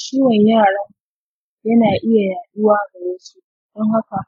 ciwon yaronku yana iya yaɗuwa ga wasu, don haka